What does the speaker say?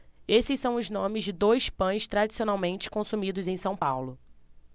esses são os nomes de dois pães tradicionalmente consumidos em são paulo